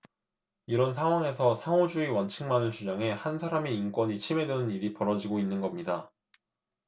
이런 상황에서 상호주의 원칙만을 주장해 한 사람의 인권이 침해되는 일이 벌어지고 있는 겁니다